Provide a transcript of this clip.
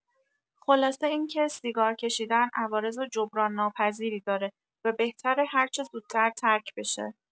خلاصه اینکه، سیگار کشیدن عوارض جبران‌ناپذیری داره و بهتره هرچه زودتر ترک بشه.